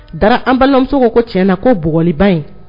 Da an balimamuso ko ko tiɲɛna ko bɔliba in